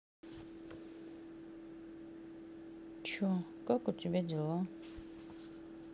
че как у тебя дела